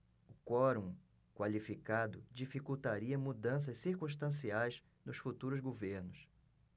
o quorum qualificado dificultaria mudanças circunstanciais nos futuros governos